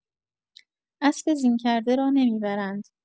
اسب زین کرده را نمی‌برند!